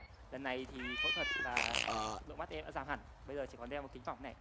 lần này thì phẫu thuật và độ mắt em đã giảm hẳn bây giờ chỉ còn đeo bằng kính cỏng này